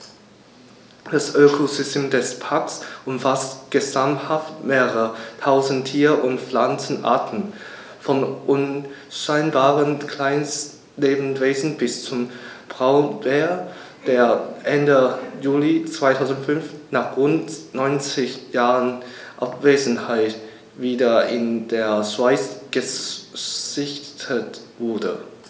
Das Ökosystem des Parks umfasst gesamthaft mehrere tausend Tier- und Pflanzenarten, von unscheinbaren Kleinstlebewesen bis zum Braunbär, der Ende Juli 2005, nach rund 90 Jahren Abwesenheit, wieder in der Schweiz gesichtet wurde.